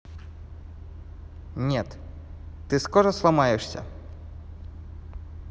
нет ты скоро сломаешься